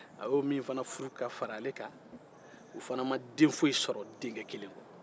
a y'o min fana furu ka far'ale kan o fana ma den foyi sɔrɔ denkɛkelen kɔ